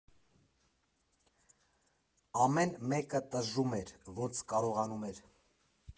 Ամեն մեկը տժժում էր, ոնց կարողանում էր։